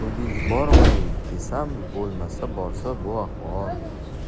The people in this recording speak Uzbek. to'yga yubormay desam bo'lmasa borsa bu ahvol